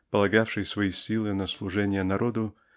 полагавшей свои силы на служение народу